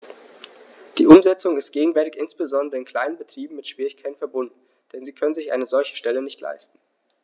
Die Umsetzung ist gegenwärtig insbesondere in kleinen Betrieben mit Schwierigkeiten verbunden, denn sie können sich eine solche Stelle nicht leisten.